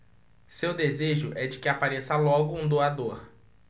seu desejo é de que apareça logo um doador